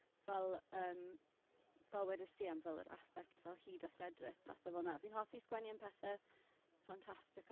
Fel yym fel wedais di am fel yr aspect fel hyd a lledrith pethe fel 'na, fi'n hoffi sgwennu am pethe fantastical.